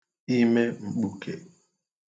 ime m̄kpūkè